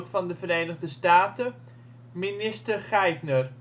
van de Verenigde Staten, minister Geithner